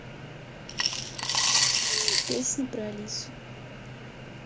песни про алису